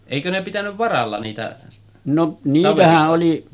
eikö ne pitänyt varalla niitä saverikoita